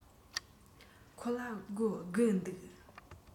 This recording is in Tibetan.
ཁོ ལ སྒོར དགུ འདུག